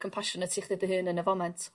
compassionate i chdi dy hun yn y foment.